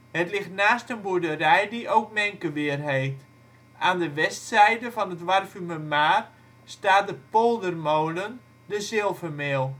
Het ligt naast een boerderij die ook Menkeweer heet. Aan de westzijde van het Warffumermaar staat de poldermolen De Zilvermeeuw